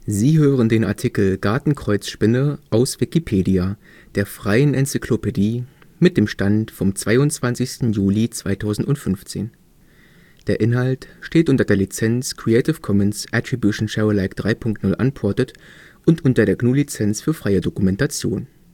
Sie hören den Artikel Gartenkreuzspinne, aus Wikipedia, der freien Enzyklopädie. Mit dem Stand vom Der Inhalt steht unter der Lizenz Creative Commons Attribution Share Alike 3 Punkt 0 Unported und unter der GNU Lizenz für freie Dokumentation